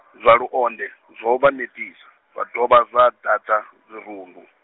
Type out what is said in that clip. zwa Luonde, zwo vha netisa, zwa dovha zwa ḓadza zwirundu.